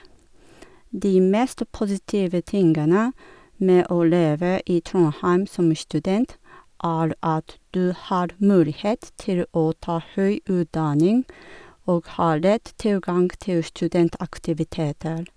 De mest positive tingene med å leve i Trondheim som student, er at du har mulighet til å ta høy utdanning og har lett tilgang til studentaktiviteter.